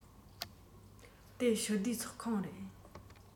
དེ ཕྱོགས བསྡུས ཚོགས ཁང རེད